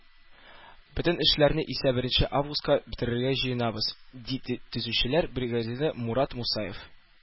Бөтен эшләрне исә беренче августка бетерергә җыенабыз, - ди төзүчеләр бригадиры Мурат Мусаев.